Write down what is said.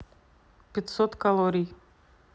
пятьсот калорий